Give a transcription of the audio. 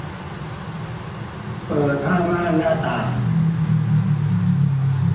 เปิดผ้าม่านหน้าต่าง